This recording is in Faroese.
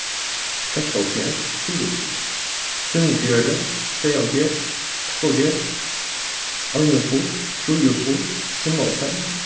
seksoghálvfjerðs fýraogtrýss fimmogfjøruti sjeyoghálvfjerðs áttaoghálvfjerðs einogfýrs trýogfýrs fimmoghálvfems